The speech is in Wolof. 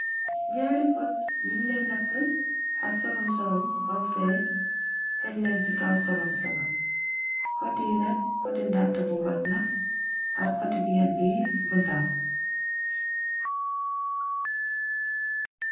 Ñaari pot nung leen natt ak solom solom bam fées teg leen ci kaw solom-solom, pot yu nak poti ndatt bu mag la ak poti bien b bu ndaw.